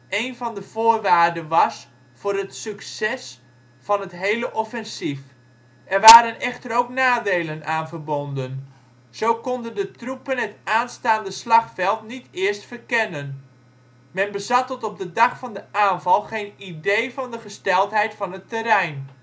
een van de voorwaarden was voor het succes van het hele offensief. Er waren echter ook nadelen aan verbonden. Zo konden de troepen het aanstaande slagveld niet eerst verkennen. Men bezat tot op de dag van de aanval geen idee van de gesteldheid van het terrein